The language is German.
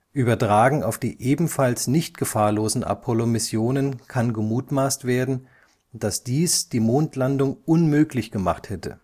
Übertragen auf die ebenfalls nicht gefahrlosen Apollo-Missionen kann gemutmaßt werden, dass dies die Mondlandung unmöglich gemacht hätte